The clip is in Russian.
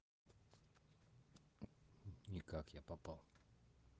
никак я попал